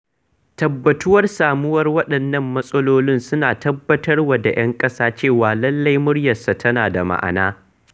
Tabbatuwar samuwar waɗannan matsalolin suna tattabarwa da 'yan ƙasa cewa lallai muryarsu tana da ma'ana.